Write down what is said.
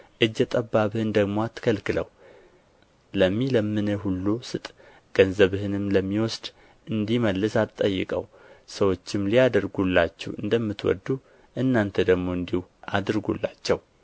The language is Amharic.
እጀ ጠባብህን ደግሞ አትከልክለው ለሚለምንህ ሁሉ ስጥ ገንዘብህንም የሚወስድ እንዲመልስ አትጠይቀው ሰዎችም ሊያደርጉላችሁ እንደምትወዱ እናንተ ደግሞ እንዲሁ አድርጉላቸው